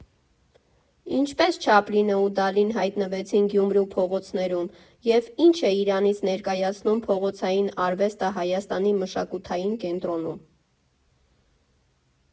Ինչպե՞ս Չապլինը ու Դալին հայտնվեցին Գյումրու փողոցներում, և ի՞նչ է իրենից ներկայացնում փողոցային արվեստը Հայաստանի մշակութային կենտրոնում։